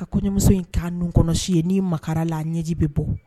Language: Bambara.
A kɔɲɔ ɲɛmuso in' nin kɔnɔsi ye ni mara la a ɲɛji bɛ bɔ